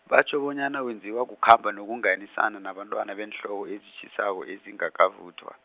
batjho bonyana wenziwa kukhamba nokunganisana nabantwana beenhloko ezitjhisako ezingakavuthwa.